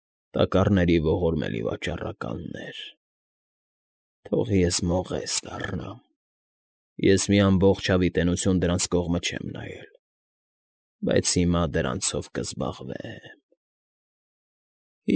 Տակառների ողորմելի վաճառականներ, թող ես մողես դառնամ… Ես մի ամբողջ հավիտենականություն դրանց կողմերը չեմ նայել, բայց հիմա դրանցով կզբաղվե՜մ»։ ֊